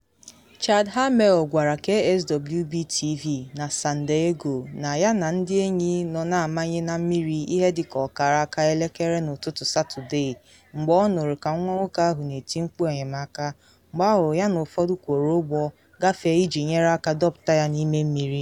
Chad Hammel gwara KSWB-TV na San Diego na ya na ndị enyi nọ na amanye na mmiri ihe dị ka ọkara aka elekere n’ụtụtụ Satọde mgbe ọ nụrụ ka nwa nwoke ahụ na eti mkpu enyemaka, mgbe ahụ ya na ụfọdụ kworo ụgbọ gafee iji nyere aka dọpụta ya n’ime mmiri.